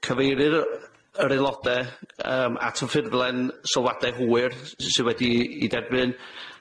Cyfeirir y- yr aelode yym at y ffurflen sylwade hwyr sy wedi'i 'i derbyn.